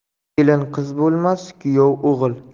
kelin qiz bo'lmas kuyov o'g'il